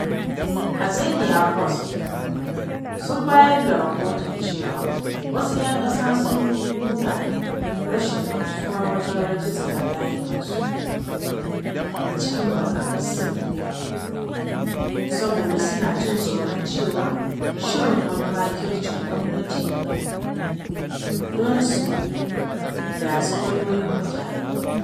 Azania Post sun bayar da rahoton cewa wasu ‘yan ƙasa sun nuna rashin gamsuwa wajen rajistar layukansu (SIM) saboda suna jin tsoron cewa shirin “wani makircin gwamnati don su datsi wayoyin mutane.”